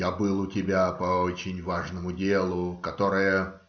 я был у тебя по очень важному делу, которое.